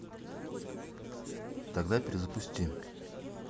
тогда перезапустись